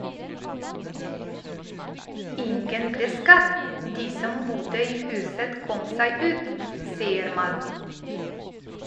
- Ingen ble skadd, de som bodde i huset kom seg ut, sier Malm.